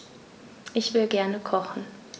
Ich will gerne kochen.